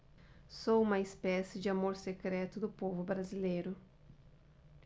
sou uma espécie de amor secreto do povo brasileiro